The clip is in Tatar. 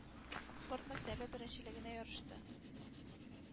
Порт мәктәбе беренчелегенә ярышты.